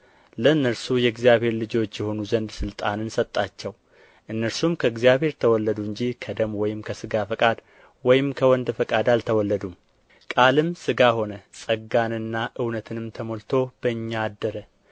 ለእነርሱ የእግዚአብሔር ልጆች ይሆኑ ዘንድ ሥልጣንን ሰጣቸው እነርሱም ከእግዚአብሔር ተወለዱ እንጂ ከደም ወይም ከሥጋ ፈቃድ ወይም ከወንድ ፈቃድ አልተወለዱም ቃልም ሥጋ ሆነ ጸጋንና እውነትንም ተመልቶ በእኛ አደረ